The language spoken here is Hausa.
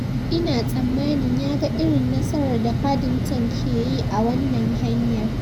Ina tsammanin ya ga irin nasarar da Paddington ke yi, a wannan hanyar.